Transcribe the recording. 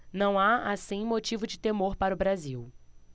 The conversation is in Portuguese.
não há assim motivo de temor para o brasil